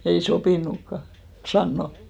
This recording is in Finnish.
ei sopinutkaan sanoa